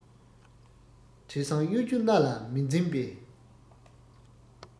བྲེ སྲང གཡོ སྒྱུ མནའ ལ མི འཛེམ པའི